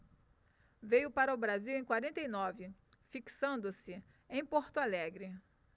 veio para o brasil em quarenta e nove fixando-se em porto alegre